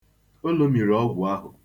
O lomiri ọgwụ ahụ.